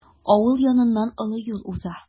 Авыл яныннан олы юл уза.